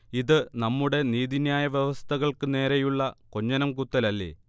ഇത് നമ്മുടെ നീതിന്യായ വ്യവസ്ഥകൾക്ക് നേരെയുള്ള കൊഞ്ഞനം കുത്തലല്ലേ